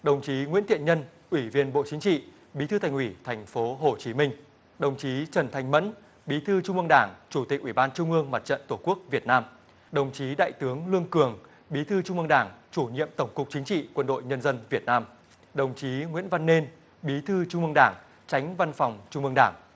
đồng chí nguyễn thiện nhân ủy viên bộ chính trị bí thư thành ủy thành phố hồ chí minh đồng chí trần thanh mẫn bí thư trung ương đảng chủ tịch ủy ban trung ương mặt trận tổ quốc việt nam đồng chí đại tướng lương cường bí thư trung ương đảng chủ nhiệm tổng cục chính trị quân đội nhân dân việt nam đồng chí nguyễn văn nên bí thư trung ương đảng chánh văn phòng trung ương đảng